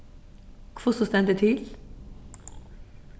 hvussu stendur til